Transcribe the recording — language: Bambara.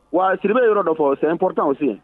Wa si bɛ yɔrɔ dɔ fɔ san pptaw sen